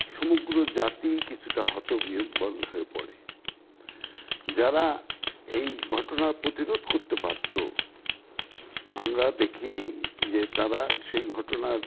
সমগ্র জাতিই কিছুটা হতবিহ্বল হয়ে পড়ে যারা এই ঘটনার প্রতিরোধ করতে পারতো আমরা দেখি যে তারা সেই ঘটনার